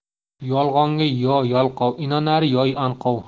yolg'onga yo yalqov inonar yo anqov